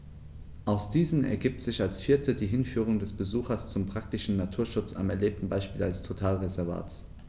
Aus diesen ergibt sich als viertes die Hinführung des Besuchers zum praktischen Naturschutz am erlebten Beispiel eines Totalreservats.